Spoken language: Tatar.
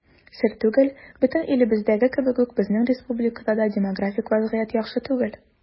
Сер түгел, бөтен илебездәге кебек үк безнең республикада да демографик вазгыять яхшы түгел.